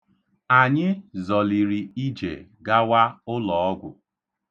Anyị zọliri ije gawa ụlọọgwụ.